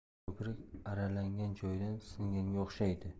ko'prik arralangan joyidan singanga o'xshaydi